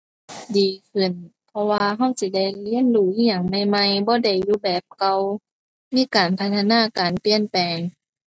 ดีขึ้น เพราะว่าเราสิได้เรียนรู้อิหยังใหม่ใหม่ บ่ได้อยู่แบบเก่า มีการพัฒนา การเปลี่ยนแปลง